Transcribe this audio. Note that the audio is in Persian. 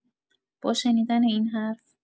با شنیدن این حرف